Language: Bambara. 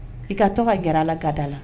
I ka to ka g a la gada la